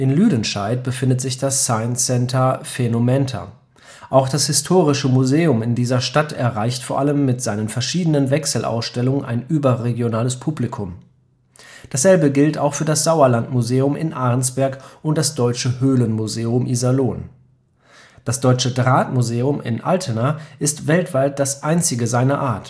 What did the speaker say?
Lüdenscheid befindet sich das Science Center Phänomenta. Auch das historische Museum in dieser Stadt erreicht vor allem mit seinen verschiedenen Wechselausstellungen ein überregionales Publikum. Dasselbe gilt auch für das Sauerland-Museum in Arnsberg und das Deutsche Höhlenmuseum Iserlohn. Das Deutsche Drahtmuseum in Altena ist weltweit das einzige seiner